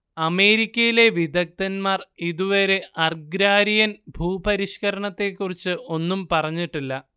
അമേരിക്കയിലെ വിദഗ്ദ്ധന്മാർ ഇതുവരെ അർഗ്രാരിയൻ ഭൂപരിഷ്കരണത്തെക്കുറിച്ച് ഒന്നും പറഞ്ഞിട്ടില്ല